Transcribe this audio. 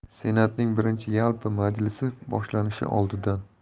senatning birinchi yalpi majlisi boshlanishi oldidan